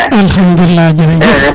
alkhadoulilah jerejef